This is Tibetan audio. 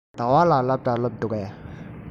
ཟླ བ ལགས སློབ གྲྭར སླེབས འདུག གས